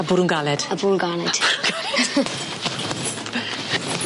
A bwrw'n galed. A bwrw'n galed.